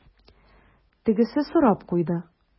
Тегесе сорап куйды: